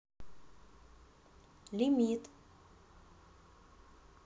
лимит